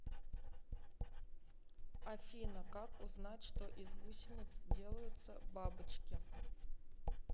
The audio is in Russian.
афина как узнать что из гусениц делаются бабочки